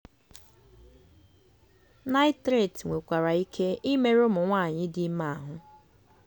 Nitrate nwekwara ike ịmerụ ụmụ nwaanyị dị ime ahụ.